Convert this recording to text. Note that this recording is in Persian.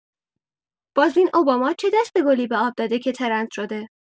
باز این اوباما چه دسته‌گلی به آب‌داده که ترند شده؟